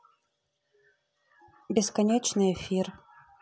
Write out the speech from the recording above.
бесконечный эфир